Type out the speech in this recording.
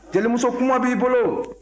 jelimuso kuma b'i bolo